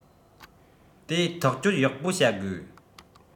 དེ ཐག གཅོད ཡག པོ བྱ དགོས